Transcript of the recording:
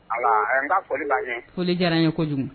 Ola, ɛɛ n ka foli b'a ye; foli diyara n ye kojugu.